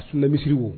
Suna misiriw